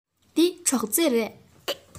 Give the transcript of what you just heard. འདི སྒྲོག རྩེ རེད